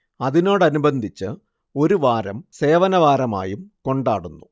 അതിനോടനിബന്ധിച്ച് ഒരു വാരം സേവനവാരമായും കൊണ്ടാടുന്നു